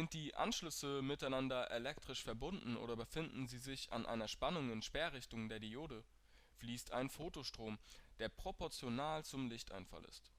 die Anschlüsse miteinander elektrisch verbunden oder befinden sie sich an einer Spannung in Sperrrichtung der Diode, fließt ein Photostrom, der proportional zum Lichteinfall ist